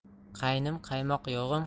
qaynim qaymoq yog'im